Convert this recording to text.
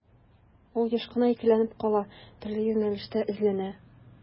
Ул еш кына икеләнеп кала, төрле юнәлештә эзләнә.